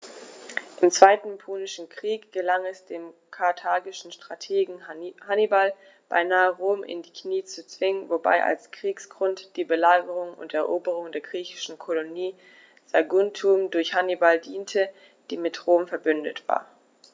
Im Zweiten Punischen Krieg gelang es dem karthagischen Strategen Hannibal beinahe, Rom in die Knie zu zwingen, wobei als Kriegsgrund die Belagerung und Eroberung der griechischen Kolonie Saguntum durch Hannibal diente, die mit Rom „verbündet“ war.